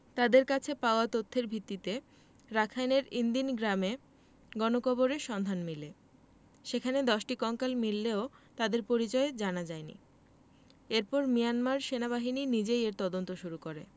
তাঁদের কাছে পাওয়া তথ্যের ভিত্তিতে রাখাইনের ইন দিন গ্রামে গণকবরের সন্ধান মেলে সেখানে ১০টি কঙ্কাল মিললেও তাদের পরিচয় জানা যায়নি এরপর মিয়ানমার সেনাবাহিনী নিজেই এর তদন্ত শুরু করে